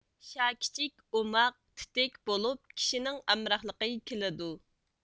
شاكىچىك ئوماق تېتىك بولۇپ كىشىنىڭ ئامراقلىقى كېلىدۇ